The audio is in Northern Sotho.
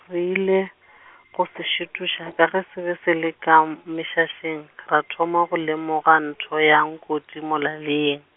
re ile, go se šutiša ka ge se be se le ka m- mešašaneng, ra thoma go lemoga ntho ya nkoti, molaleng.